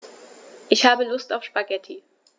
Ich habe Lust auf Spaghetti.